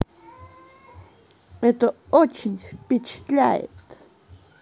это очень впечатляет